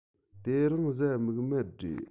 དེ རིང གཟའ མིག དམར རེད